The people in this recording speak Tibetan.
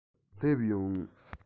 སླེབས ཡོང